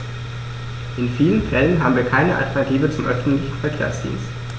In vielen Fällen haben wir keine Alternative zum öffentlichen Verkehrsdienst.